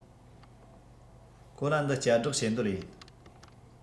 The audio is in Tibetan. ཁོ ལ འདི བསྐྱར བསྒྲགས བྱེད འདོད ཡོད